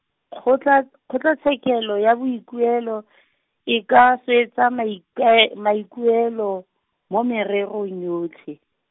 Kgotla-, Kgotlatshekelo ya Boikuelo , e ka se swetsa maikae- maikuelo, mo mererong yotlhe.